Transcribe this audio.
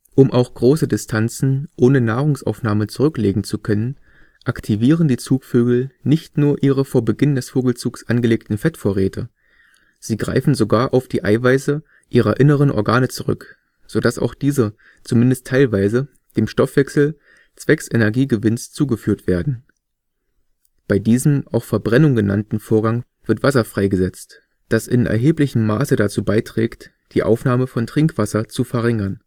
Um auch große Distanzen ohne Nahrungsaufnahme zurücklegen zu können, aktivieren die Zugvögel nicht nur ihre vor Beginn des Vogelzugs angelegten Fettvorräte. Sie greifen sogar auf die Eiweiße ihrer inneren Organe zurück, so dass auch diese zumindest teilweise dem Stoffwechsel zwecks Energiegewinns zugeführt werden. Bei diesem auch Verbrennung genannten Vorgang von Fett und Eiweiß wird Wasser freigesetzt, das in erheblichem Maße dazu beiträgt, die Aufnahme von Trinkwasser zu verringern